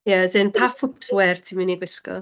Ie, as in pa footwear ti'n mynd i gwisgo?